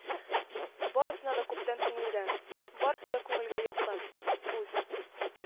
Барысына да күптән күнегелгән, барысы да күңелгә якын, үз